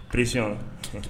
Presi